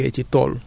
%